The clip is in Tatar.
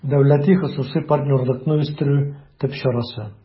«дәүләти-хосусый партнерлыкны үстерү» төп чарасы